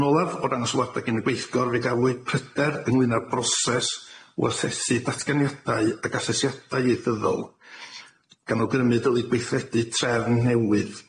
Yn olaf o ran y swlwada gan y gweithgor fe gafwyd pryder ynglŷn â'r broses o asesu datganiadau ag asesiadau ieithyddol gan awgrymu dylid gweithredu trefn newydd